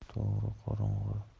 to'g'ri qorong'i